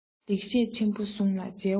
ལེགས བཤད ཆེན པོ ཟུང ལ མཇལ བ ན